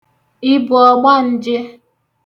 Ị bụ ọgbanje?